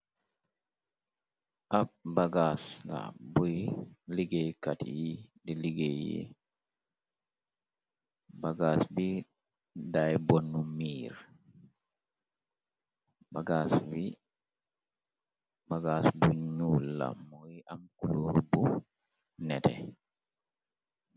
Ab bagaas la purr liggéeykat yi di liggéey yi. Bagaas bi daay bonu miir, bagaas bu ñuul la moo am kuloor bu nete.